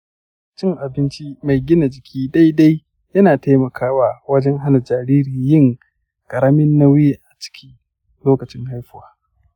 cin abinci mai gina jiki daidai yana taimakawa wajen hana jarirai yin ƙaramin nauyi a lokacin haihuwa.